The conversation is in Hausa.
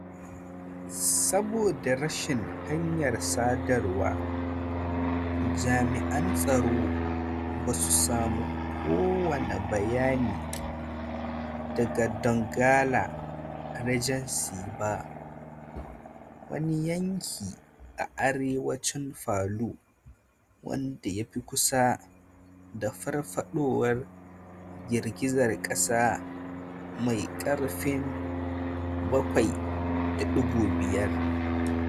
Saboda rashin hanyar sadarwa, jami'an tsaro ba su samu kowane bayani daga Donggala regency ba, wani yanki a arewacin Palu wanda ya fi kusa da farfadowar girgizar kasa mai karfin 7.5.